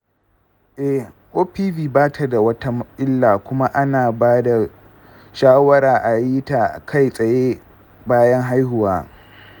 eh, opv ba tada wata illa kuma ana ba da shawarar a yi ta kai tsaye bayan haihuwa.